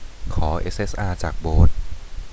ขอเอสเอสอาจากโบ๊ท